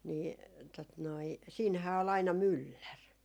niin tuota noin siinähän oli aina mylläri